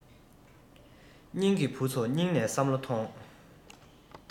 སྙིང གི བུ ཚོ སྙིང ནས བསམ བློ མཐོང